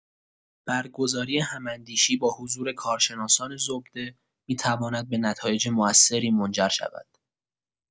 برگزاری هم‌اندیشی با حضور کارشناسان زبده می‌تواند به نتایج موثری منجر شود.